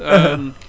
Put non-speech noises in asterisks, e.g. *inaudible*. *hesitation* *hesitation* *hesitation*